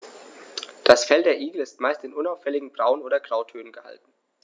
Das Fell der Igel ist meist in unauffälligen Braun- oder Grautönen gehalten.